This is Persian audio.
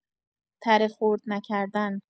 تره خرد نکردن